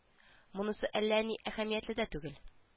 Монысы әллә ни әһәмиятле дә түгел